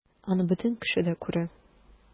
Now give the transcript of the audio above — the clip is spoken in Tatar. Аны бөтен кеше дә күрә...